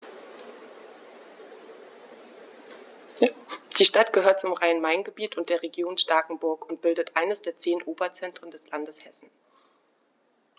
Die Stadt gehört zum Rhein-Main-Gebiet und der Region Starkenburg und bildet eines der zehn Oberzentren des Landes Hessen.